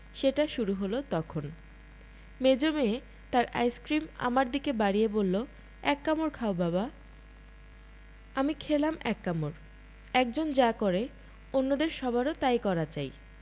সেটা শুরু হল তখন মেজো মেয়ে তার আইসক্রিম আমার দিকে বাড়িয়ে বলল এক কামড় খাও বাবা আমি খেলাম এক কামড় একজন যা করে অন্য সবারও তাই করা চাই